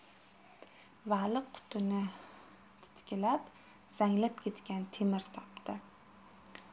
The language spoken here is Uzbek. vali qutini titkilab zanglab ketgan temir topdi